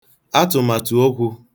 atụ̀màtụ̀okwū